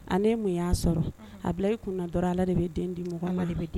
A mun y'a sɔrɔ a bila i kun dɔrɔn ala de bɛ den di mɔgɔ ala bɛ den